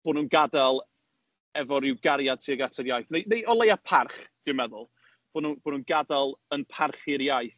Bo' nhw'n gadael efo ryw gariad tuag at yr iaith, neu neu o leia parch, dwi'n meddwl. Bo' nhw bo' nhw'n gadal yn parchu'r iaith.